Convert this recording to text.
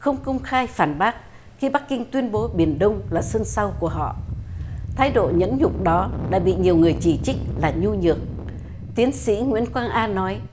không công khai phản bác khi bắc kinh tuyên bố biển đông là sân sau của họ thay đổi nhẫn dục đó lại bị nhiều người chỉ trích là nhu nhược tiến sĩ nguyễn quang a nói